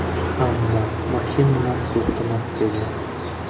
ammo mashinalar to'xtamas edi